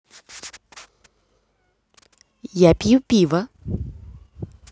я пью пиво